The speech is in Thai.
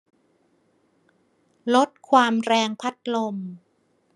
ลดความแรงพัดลม